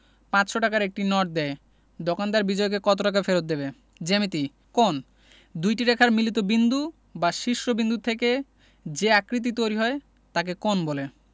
৫০০ টাকার একটি নোট দেয় দোকানদার বিজয়কে কত টাকা ফেরত দেবেন জ্যামিতিঃ কোণঃ দুইটি রেখার মিলিত বিন্দু বা শীর্ষ বিন্দু থেকে যে আকৃতি তৈরি হয় তাকে কোণ বলে